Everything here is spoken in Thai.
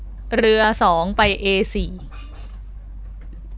เรือสองไปเอสี่